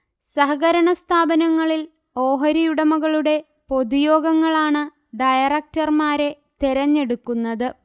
സഹകരണ സ്ഥാപനങ്ങളിൽ ഓഹരിയുടമകളുടെ പൊതുയോഗങ്ങളാണ് ഡയറക്ടർമാരെ തെരഞ്ഞെടുക്കുന്നത്